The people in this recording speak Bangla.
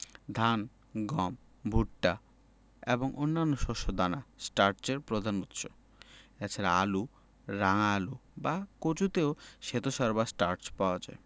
ধান গম ভুট্টা এবং অন্যান্য শস্য দানা স্টার্চের প্রধান উৎস এছাড়া আলু রাঙা আলু বা কচুতেও শ্বেতসার বা স্টার্চ পাওয়া যায়